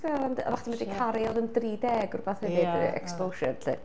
Ia, ond oeddach chdi'n medru cael rai oedd yn 30 rywbeth hefyd, exposure 'lly.